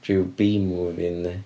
Ryw B movie yndi?